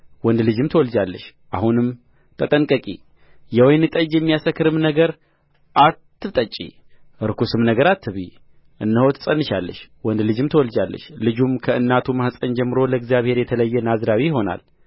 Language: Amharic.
ወንድ ልጅም ትወልጃለሽ አሁንም ተጠንቀቂ የወይን ጠጅን የሚያሰክርም ነገር አትጠጪ ርኩስም ነገር አትብዪ እነሆ ትፀንሻለሽ ወንድ ልጅም ትወልጃለሽ ልጁም ከእናቱ ማኅፀን ጀምሮ ለእግዚአብሔር የተለየ ናዝራዊ ይሆናልና